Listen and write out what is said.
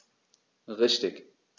Richtig